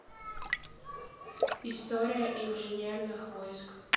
история инженерных войск